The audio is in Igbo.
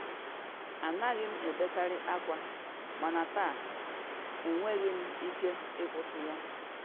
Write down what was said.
“Anaghị m ebekarị akwa mana taa enweghị m ike ịkwụsị ya.